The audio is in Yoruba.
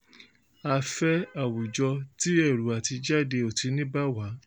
A fẹ́ àwùjọ tí ẹ̀rù àtijáde ò ti ní bà wá!